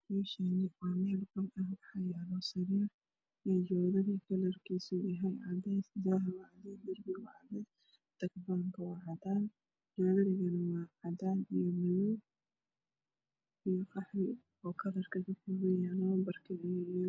Meeshaani waa meel banaan waxaa yaalo sariir kalarkeedu yahay cadays daaha waa cadays katabaanka waa cadaan joodariga waa cadaan